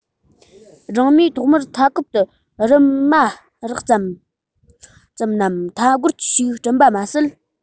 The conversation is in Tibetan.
སྦྲང མས ཐོག མར མཐའ འཁོར དུ རིབ མ རགས ཙམ མམ མཐའ སྒོར ཞིག སྐྲུན པ མ ཟད